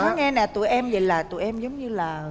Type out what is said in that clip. nói nghe nè tụi em dậy là tụi em giống như là